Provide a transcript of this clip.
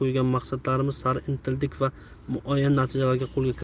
maqsadlarimiz sari intildik va muayyan natijalarni qo'lga kiritdik